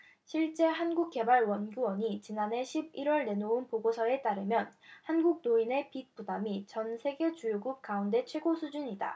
실제 한국개발연구원이 지난해 십 일 월 내놓은 보고서에 따르면 한국 노인의 빚 부담이 전 세계 주요국 가운데 최고 수준이다